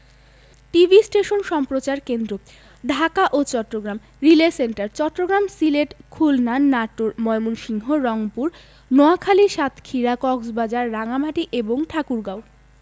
TV station সম্প্রচার কেন্দ্রঃ ঢাকা ও চট্টগ্রাম রিলে সেন্টার চট্টগ্রাম সিলেট খুলনা নাটোর ময়মনসিংহ রংপুর নোয়াখালী সাতক্ষীরা কক্সবাজার রাঙ্গামাটি এবং ঠাকুরগাঁও